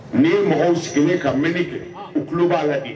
Ni ye mɔgɔw sigilen ka mɛn kɛ u tulo b'a la dɛ